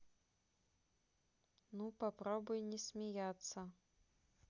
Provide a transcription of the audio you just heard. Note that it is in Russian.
ну попробуй не смеяться